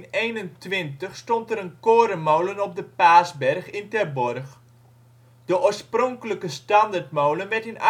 1921 stond er een korenmolen op de Paasberg in Terborg. De oorspronkelijke standerdmolen werd in